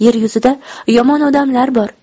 yer yuzida yomon odamlar bor